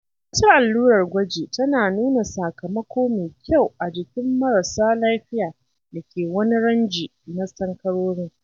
Wata allurar gwaji tana nuna sakamako mai kyau a jikin marassa lafiya da ke wani ranji na sankarorin.